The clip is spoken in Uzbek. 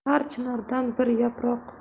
har chinordan bir yaproq